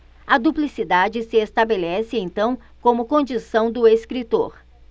a duplicidade se estabelece então como condição do escritor